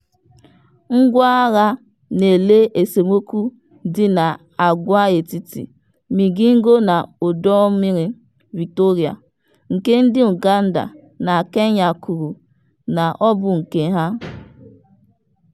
Ngwá agha na-ele esemokwu dị na agwaetiti Migingo na ọdọ mmiri Victoria, nke ndị Uganda na Kenya kwuru na ọ bụ nke ha.